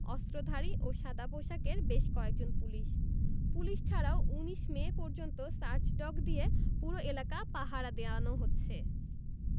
অস্ত্রধারী ও সাদাপোশাকের বেশ কয়েকজন পুলিশ পুলিশ ছাড়াও ১৯ মে পর্যন্ত সার্চ ডগ দিয়ে পুরো এলাকা পাহারা দেওয়ানো হচ্ছে